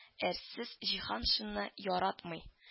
Әрсез җиһаншинны яратмый